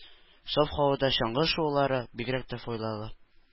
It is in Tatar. Саф һавада чаңгы шуулары бигрәк тә файдалы.